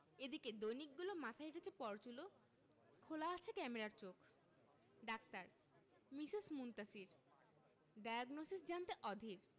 এদিকে দৈনিকগুলো মাথায় এঁটেছে পরচুলো খোলা আছে ক্যামেরার চোখ ডাক্তার মিসেস মুনতাসীর ডায়োগনসিস জানতে অধীর